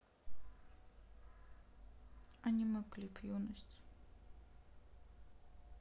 аниме клип юность